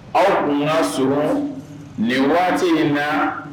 Aw tun ka so nin waati in na